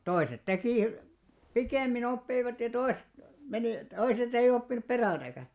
toiset teki pikemmin oppivat ja toiset meni toiset ei oppinut perässäkään